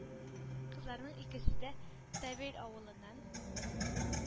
Кызларның икесе дә – Тавель авылыннан,